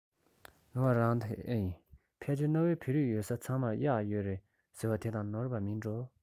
ནོར བ རང ད ཨེ ཡིན ཕལ ཆེར གནའ བོའི བོད རིགས ཡོད ས ཚང མར གཡག ཡོད རེད ཟེར བ དེ དང ནོར བ མིན འགྲོ